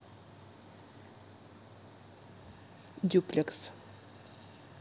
дюплекс